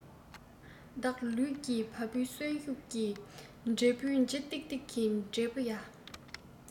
བདག ལུས ཀྱི བ སྤུའི གསོན ཤུགས ཀྱི འབྲས བུའི ལྗིད ཏིག ཏིག གི འབྲས བུ ཡ